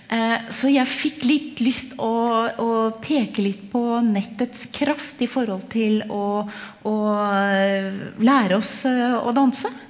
så jeg fikk litt lyst å å peke litt på nettets kraft i forhold til å å lære oss å danse.